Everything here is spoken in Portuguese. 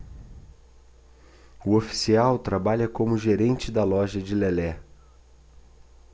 o oficial trabalha como gerente da loja de lelé